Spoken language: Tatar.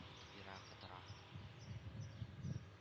Туйра котыра